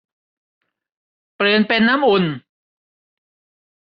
เปลี่ยนเป็นน้ำอุ่น